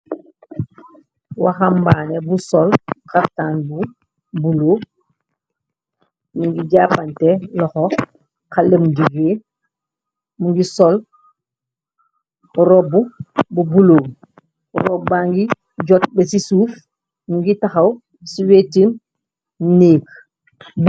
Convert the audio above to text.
Waxambaane bu sol xartaan bu bulo ningi jàppante laxo xalem njugee mu ngi sol robb bu bulob robba ngi jot be ci suuf ngi taxaw ci weetim néek.